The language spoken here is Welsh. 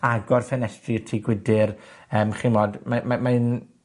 agor ffenestri y tŷ gwydyr, yym chi 'mod, mae mae mae'n